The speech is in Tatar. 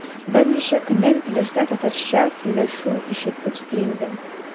Берничә көннән пляжда татарча сөйләшү ишетеп сөендем.